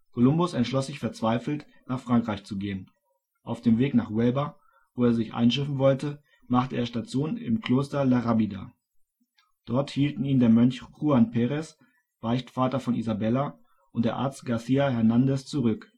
Kolumbus entschloss sich verzweifelt, nach Frankreich zu gehen. Auf dem Weg nach Huelva, wo er sich einschiffen wollte, machte er Station im Kloster La Rábida. Dort hielten ihn der Mönch Juan Perez, Beichtvater von Isabella, und der Arzt Garcia Hernandez zurück